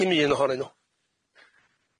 Dim un ohonyn nw.